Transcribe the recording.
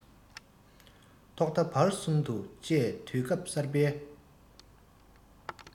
ཐོག མཐའ བར གསུམ དུ བཅས དུས སྐབས གསར པའི